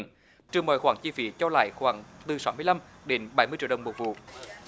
trừ mọi khoản chi phí cho lãi khoảng từ sáu mươi lăm đến bảy mươi triệu đồng một vụ